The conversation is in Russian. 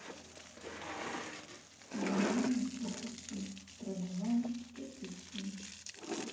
обезьяна чи чи чи продавала кирпичи